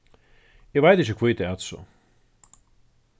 eg veit ikki hví tað æt so